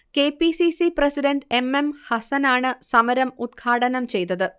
K. P. C. C president M M ഹസനാണ് സമരം ഉദ്ഘാടനം ചെയ്തത്